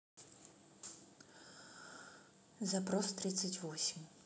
запрос тридцать восемь